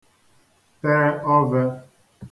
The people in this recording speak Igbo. te ọvē